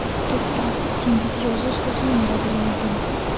Тукта, син бит язу-сызуны да белә идең.